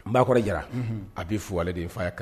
N b baa kɔrɔ jara a bɛ fale de n f kan